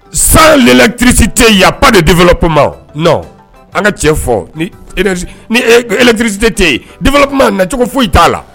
San lelɛtirisi tɛ yaba de de kuma an ka cɛ fɔ nilɛtiriti tɛ tɛ de kuma nacogo foyi i t'a la